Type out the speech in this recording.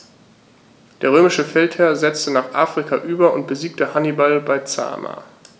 Der römische Feldherr setzte nach Afrika über und besiegte Hannibal bei Zama.